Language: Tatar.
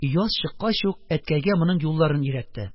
Яз чыккач ук, әткәйгә моның юлларын өйрәтте: